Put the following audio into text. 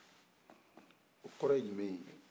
o kɔrɔ jumɛn ye